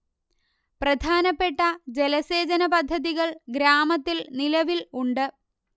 പ്രധാനപ്പെട്ട ജലസേചന പദ്ധതികൾ ഗ്രാമത്തിൽ നിലവിൽ ഉണ്ട്